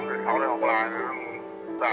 học bài rồi